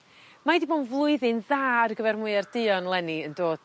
Mae 'di bo' yn flwyddyn dda ar gyfer mwyar duon leni yn do?